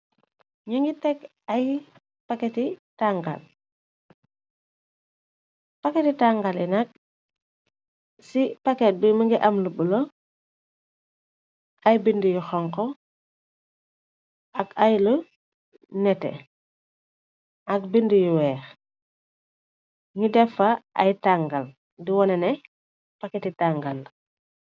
Nu ngi teg paketi tangali nag ci paket bi mënge amla bula ay bindi yu xonxo ak ay lu nete ak bind yu weex ñu defa ay tangal di wone ne paketi tangal la.